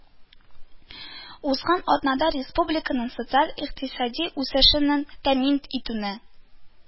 Узган атнада республиканың социаль-икътисади үсешен тәэмин итүне